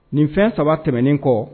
Nin fɛn saba tɛmɛnen kɔ